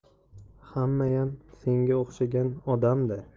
hammayam senga o'xshagan odam da